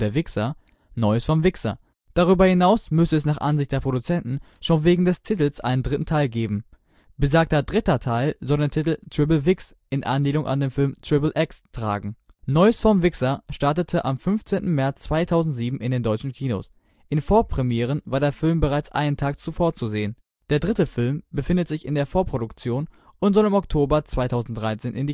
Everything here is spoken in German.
Wixxer „ Neues vom Wixxer “. Darüber hinaus müsse es nach Ansicht der Produzenten schon wegen des Titels einen dritten Teil geben. Besagter dritter Teil soll den Titel „ Triple WixXx “, in Anlehnung an den Film xXx – Triple X, tragen. Neues vom Wixxer startete am 15. März 2007 in den deutschen Kinos, in Vorpremieren war der Film bereits einen Tag zuvor zu sehen. Der dritte Film befindet sich in der Vorproduktion und soll im Oktober 2013 in